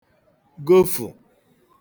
gofụ̀